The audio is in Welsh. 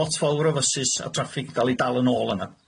lot fowr o fysis a traffig yn cal 'i dal yn ôl yna.